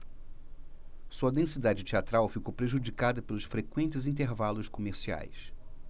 sua densidade teatral ficou prejudicada pelos frequentes intervalos comerciais